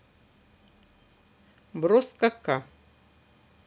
brosko ка